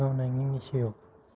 bor qaynonangning ishi yo'q